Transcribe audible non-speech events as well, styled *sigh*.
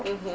*hesitation* *hesitation*